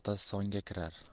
otasi songa kirar